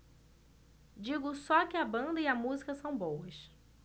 digo só que a banda e a música são boas